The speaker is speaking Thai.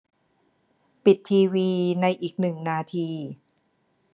ปิดทีวีในอีกหนึ่งนาที